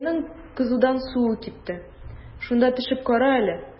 Коеның кызудан суы кипте, шунда төшеп кара әле.